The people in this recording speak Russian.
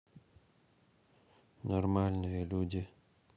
нормальные люди